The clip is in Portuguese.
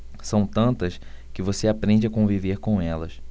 são tantas que você aprende a conviver com elas